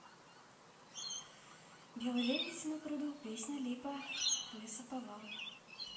белый лебедь на пруду песня липа лесоповал